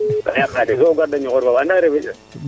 ka yaqa deg to oxu garna de ñoxor fowo